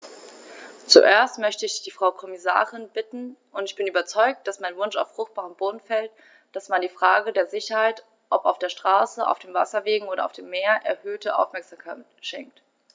Zuerst möchte ich die Frau Kommissarin bitten - und ich bin überzeugt, dass mein Wunsch auf fruchtbaren Boden fällt -, dass man der Frage der Sicherheit, ob auf der Straße, auf den Wasserwegen oder auf dem Meer, erhöhte Aufmerksamkeit schenkt.